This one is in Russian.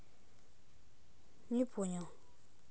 не понял